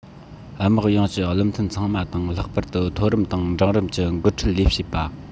དམག ཡོངས ཀྱི བློ མཐུན ཚང མ དང ལྷག པར དུ མཐོ རིམ དང འབྲིང རིམ གྱི འགོ ཁྲིད ལས བྱེད པ